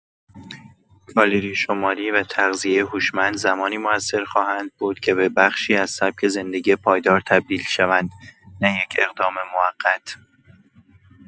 کالری‌شماری و تغذیه هوشمند زمانی مؤثر خواهند بود که به بخشی از سبک زندگی پایدار تبدیل شوند نه یک اقدام موقت.